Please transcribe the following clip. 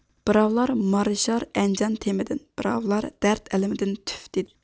بىراۋلار مارىشار ئەنجان تېمىدىن بىراۋلار دەرد ئەلىمىدىن تۈف دېدى